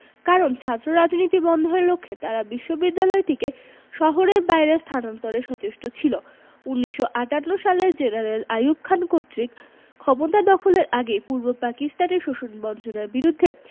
কারণ ছাত্ররাজনীতি বন্ধের লক্ষ্যে তারা বিশ্ববিদ্যালয়টিকে শহরের বাইরে স্থানান্তরে সচেষ্ট ছিল ১৯৫৮ সালে জেনারেল আইয়ুব খান কর্তৃক ক্ষমতা দখলের আগেই পূর্ব পাকিস্তানে শোষণ বঞ্চনার বিরুদ্ধে